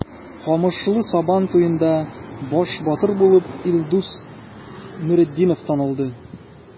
Камышлы Сабан туенда баш батыр булып Илдус Нуретдинов танылды.